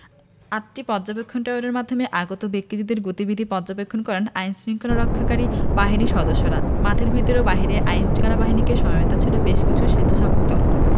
আটটি পর্যবেক্ষণ টাওয়ারের মাধ্যমে আগত ব্যক্তিদের গতিবিধি পর্যবেক্ষণ করেন আইনশৃঙ্খলা রক্ষাকারী বাহিনীর সদস্যরা মাঠের ভেতর বাইরে আইনশৃঙ্খলা বাহিনীকে সহায়তায় ছিল বেশ কিছু স্বেচ্ছাসেবক দল